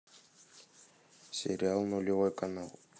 сериал нулевой канал